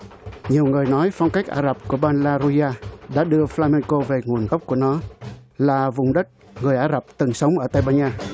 nhiều người nói phong cách ả rập của ban la ru a đã đưa phờ la me cô về nguồn gốc của nó là vùng đất người ả rập từng sống ở tây ba nha